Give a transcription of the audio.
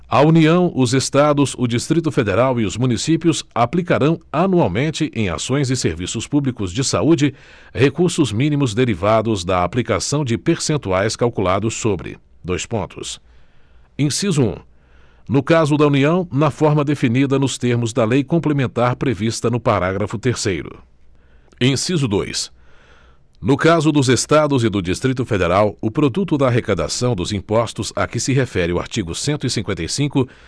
a união os estados o distrito federal e os municípios aplicarão anualmente em ações e serviços públicos de saúde recursos mínimos derivados da aplicação de percentuais calculados sobre dois pontos inciso um no caso da união na forma definida nos termos da lei complementar prevista no parágrafo terceiro inciso dois no caso dos estados e do distrito federal o produto da arrecadação dos impostos a que se refere o artigo cento e cinquenta e cinco